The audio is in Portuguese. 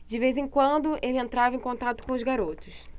de vez em quando ele entrava em contato com os garotos